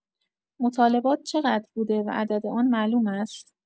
مطالبات چقدر بوده و عدد آن معلوم است؟